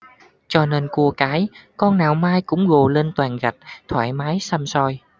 cho nên cua cái con nào mai cũng gồ lên toàn gạch thoải mái săm soi